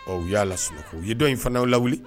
Ɔ y'ala sumaworo u ye dɔ in fanaw lawu